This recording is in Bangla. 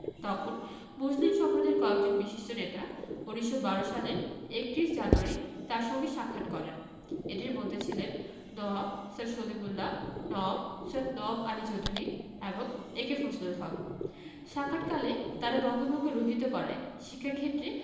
তখন মুসলিম সম্প্রদায়ের কয়েকজন বিশিষ্ট নেতা ১৯১২ সালের ৩১ জানুয়ারি তাঁর সঙ্গে সাক্ষাৎ করেন এঁদের মধ্যে ছিলেন নওয়াব স্যার সলিমুল্লাহ নওয়াব সৈয়দ নওয়াব আলী চৌধুরী এবং এ.কে ফজলুল হক সাক্ষাৎকালে তাঁরা বঙ্গভঙ্গ রহিত করায় শিক্ষাক্ষেত্রে